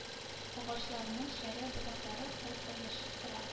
Агачларның шәрә ботаклары тырпаешып тора